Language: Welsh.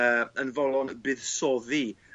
yy yn fo'lon buddsoddi